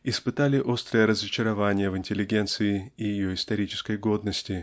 испытали острое разочарование в интеллигенции и ее исторической годности